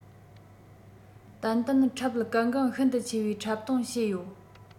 ཏན ཏན འཁྲབ གལ འགངས ཤིན ཏུ ཆེ བའི འཁྲབ སྟོན བྱས ཡོད